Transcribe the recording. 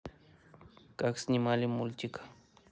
как снимали мультики